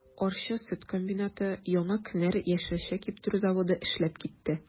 Арча сөт комбинаты, Яңа кенәр яшелчә киптерү заводы эшләп китте.